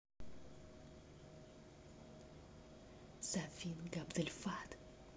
сафин габдельфат